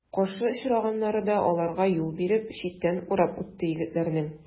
Каршы очраганнары да аларга юл биреп, читтән урап үтте егетләрнең.